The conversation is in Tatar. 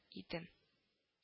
Идем